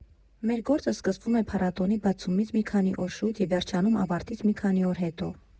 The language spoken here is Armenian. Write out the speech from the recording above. Մեր գործը սկսվում է փառատոնի բացումից մի քանի օր շուտ և վերջանում ավարտից մի քանի օր հետո։